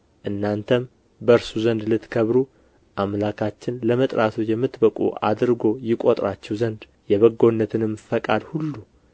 እናንተም በእርሱ ዘንድ ልትከብሩ አምላካችን ለመጥራቱ የምትበቁ አድርጎ ይቈጥራችሁ ዘንድ የበጎነትንም ፈቃድ ሁሉ